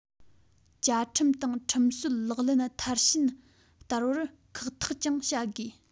བཅའ ཁྲིམས དང ཁྲིམས སྲོལ ལག ལེན མཐར ཕྱིན བསྟར བར ཁག ཐེག ཀྱང བྱ དགོས